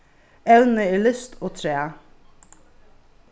evnið er list og træ